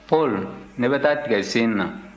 paul ne bɛ taa tigasen na